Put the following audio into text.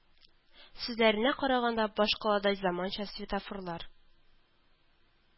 Сүзләренә караганда, башкалада заманча светофорлар